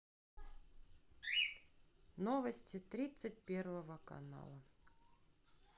новости тридцать первого канала